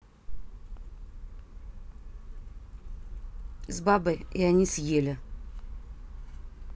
с бабой и они съели